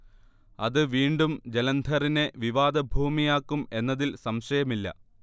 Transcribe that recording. അത് വീണ്ടും ജലന്ധറിനെ വിവാദഭൂമിയാക്കും എന്നതിൽ സംശയമില്ല